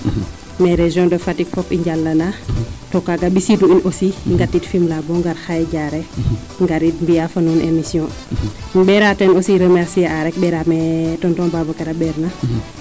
mais region de Fatick fop i njala naa to kaaga mbisiidu in aussi i ngatit Fimela bo ngar xaye Diarere ngariid mbiya fo nuun emission i mbeera teen aussi remercier a rek mbeera mee tonton Babacar a mbeer